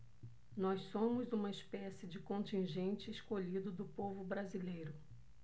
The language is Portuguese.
nós somos uma espécie de contingente escolhido do povo brasileiro